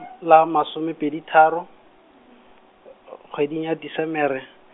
la masomepedi tharo, kgweding ya Desemere.